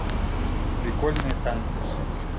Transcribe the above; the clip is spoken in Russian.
прикольные танцы